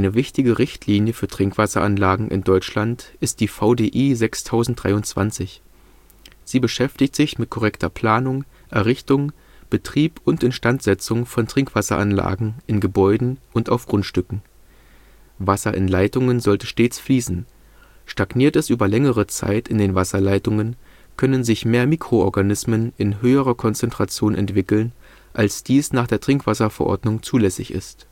wichtige Richtlinie für Trinkwasseranlagen in Deutschland ist die VDI 6023. Sie beschäftigt sich mit korrekter Planung, Errichtung, Betrieb und Instandsetzung von Trinkwasseranlagen in Gebäuden und auf Grundstücken. Wasser in Leitungen sollte stets fließen. Stagniert es über längere Zeit in den Wasserleitungen, können sich mehr Mikroorganismen in höherer Konzentration entwickeln, als dies nach der Trinkwasserverordnung zulässig ist